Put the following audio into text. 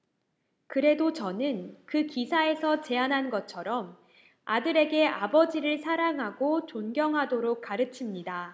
그래도 저는 그 기사에서 제안한 것처럼 아들에게 아버지를 사랑하고 존경하도록 가르칩니다